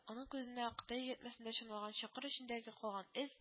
Аның күзенә кытай җәтмәсенә чорналган, чокыр эчендәге калган әз